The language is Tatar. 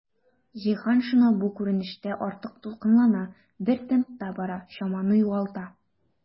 Җиһаншина бу күренештә артык дулкынлана, бер темпта бара, чаманы югалта.